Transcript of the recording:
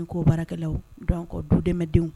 N ko baarakɛlaw dɔn kɔ du dɛmɛdenw